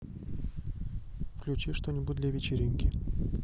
включи что нибудь для вечеринки